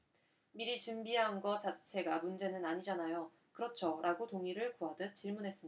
미리 준비한 거 자체가 문제는 아니잖아요 그렇죠 라고 동의를 구하듯 질문했습니다